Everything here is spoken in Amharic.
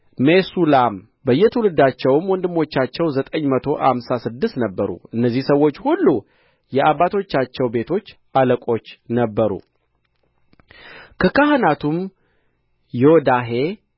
ሜሱላም በየትውልዳቸውም ወንድሞቻቸው ዘጠኝ መቶ ሃምሳ ስድስት ነበሩ እነዚህ ሰዎች ሁሉ የአባቶቻቸው ቤቶች አለቆች ነበሩ ከካህናቱም ዮዳሄ